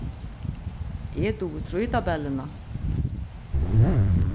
eg dugi trýtabellina